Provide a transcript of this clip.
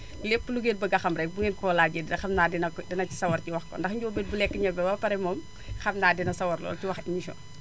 lépp lu ngeen bëgg a xam rek bu ngeen ko ko laajee dina xam naa dina ko dana ci sawar ci wax ko ndax njóobeen bu lekk ñebe ba pre moom xam naa dana sawar lool ci wax émission